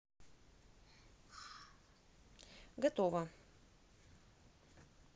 готово